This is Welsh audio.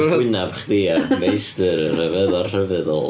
Gwynab chdi a Y Meistr yr Rhyfedd a'r Rhyfeddol .